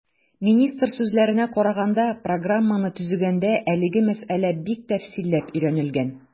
Министр сүзләренә караганда, программаны төзегәндә әлеге мәсьәлә бик тәфсилләп өйрәнелгән.